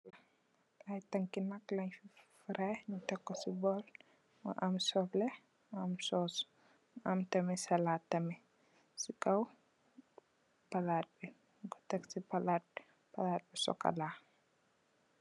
Ay tanki naak lan fi def ray nu tekk ko ci bool am sublè, am sos, am tamit salaat tamit ci kaw palaat bi. Nu tekk ci palaat, palaat bu sokola.